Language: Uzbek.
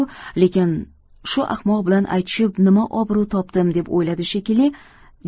lekin shu ahmoq bilan aytishib nima obro' topdim deb o'yladi shekilli